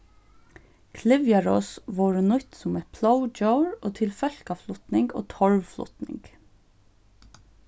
klyvjaross vórðu nýtt sum eitt plógdjór og til fólkaflutning og torvflutning